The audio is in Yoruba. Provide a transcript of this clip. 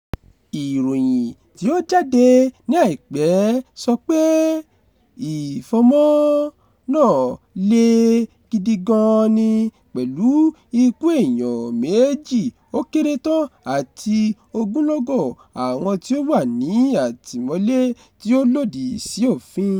Ìròyìn tí ó jáde ní àìpẹ́ sọ pé "ìfọ̀mọ́ " náà le gidi gan-an ni, pẹ̀lú ikú èèyàn méjì ó kéré tán àti ogunlọ́gọ̀ àwọn tí ó wà ní àtìmọ́lé tí ó lòdì sí òfin.